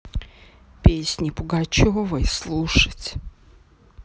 песни пугачевой слушать